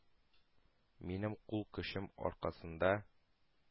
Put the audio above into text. Минем кул көчем аркасында